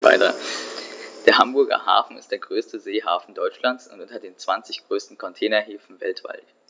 Der Hamburger Hafen ist der größte Seehafen Deutschlands und unter den zwanzig größten Containerhäfen weltweit.